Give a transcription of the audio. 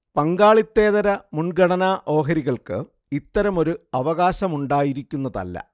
പങ്കാളിത്തേതര മുൻഗണനാ ഓഹരികൾക്ക് ഇത്തരമൊരു അവകാശമുണ്ടായിരിക്കുന്നതല്ല